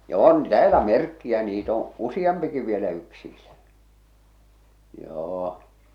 ja on täällä merkkejä niitä on useampikin vielä yksillä joo